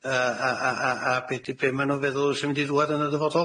yy a a a a be' 'di- be' ma' nw'n feddwl sy'n mynd i ddŵad yn y dyfodol.